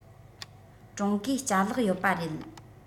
ཀྲུང གོའི ལྕ ལག ཡོད པ རེད